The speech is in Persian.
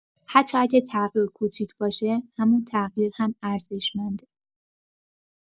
حتی اگه تغییر کوچیک باشه، همون تغییر هم ارزشمنده.